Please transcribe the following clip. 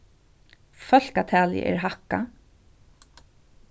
fólkatalið er hækkað